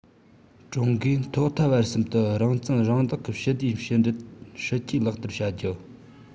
ཀྲུང གོས ཐོག མཐའ བར གསུམ དུ རང བཙན རང བདག གི ཞི བདེའི ཕྱི འབྲེལ སྲིད ཇུས ལག བསྟར བྱ རྒྱུ